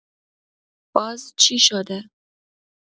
باز چی شده؟